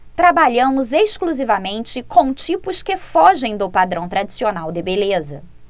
trabalhamos exclusivamente com tipos que fogem do padrão tradicional de beleza